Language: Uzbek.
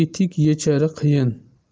etik yechari qiyin